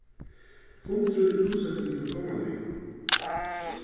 fundurin er útsettur til komandi viku